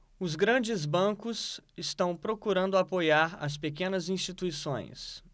os grandes bancos estão procurando apoiar as pequenas instituições